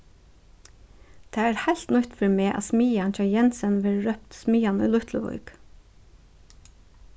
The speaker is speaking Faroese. tað er heilt nýtt fyri meg at smiðjan hjá jensen verður rópt smiðjan í lítluvík